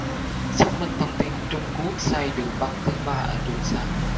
xác minh thông tin trung quốc xây đường băng thứ ba ở trường sa